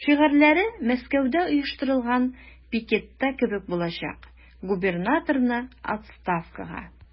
Шигарьләре Мәскәүдә оештырылган пикетта кебек булачак: "Губернаторны– отставкага!"